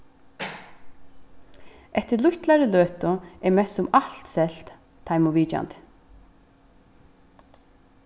eftir lítlari løtu er mest sum alt selt teimum vitjandi